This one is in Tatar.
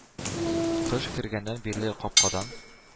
Кыш кергәннән бирле капкадан,